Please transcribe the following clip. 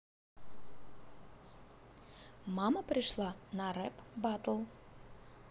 мама пришла на rap battle